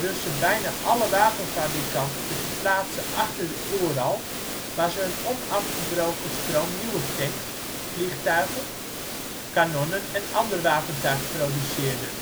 Russen bijna alle wapenfabrieken te verplaatsen achter de Oeral waar ze een onafgebroken stroom nieuwe tanks, vliegtuigen, kanonnen en ander wapentuig produceerden.